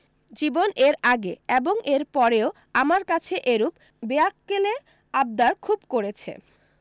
জীবন এর আগে এবং এর পরেও আমার কাছে এরূপ বেয়াক্কেলে আবদার খুব করেছে